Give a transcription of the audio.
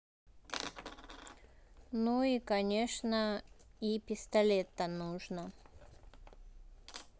ну конечно и pisstoletto нужно